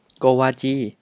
โกวาจี